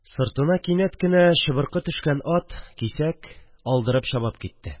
Сыртына кинәт кенә чыбыркы төшкән ат кисәк алдырып чабып китте